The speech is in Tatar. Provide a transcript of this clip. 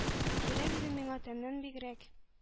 Кирәк иде миңа тәннән бигрәк